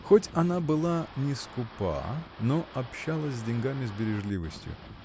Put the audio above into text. Хотя она была не скупа, но обращалась с деньгами с бережливостью